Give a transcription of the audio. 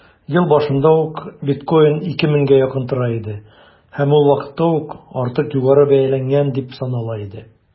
Ел башында ук биткоин 2 меңгә якын тора иде һәм ул вакытта ук артык югары бәяләнгән дип санала иде.